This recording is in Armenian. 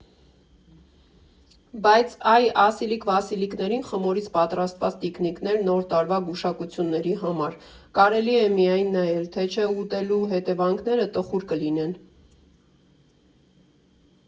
Բայց այ Ասիլիկ֊Վասիլիկներին (խմորից պատրաստված տիկնիկներ՝ Նոր տարվա գուշակությունների համար) կարելի է միայն նայել, թե չէ ուտելու հետևանքները տխուր կլինեն։